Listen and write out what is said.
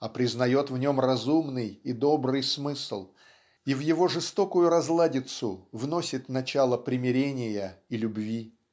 а признает в нем разумный и добрый смысл и в его жестокую разладицу вносит начало примирения и любви.